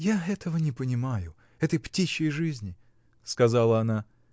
— Я этого не понимаю — этой птичьей жизни, — сказала она.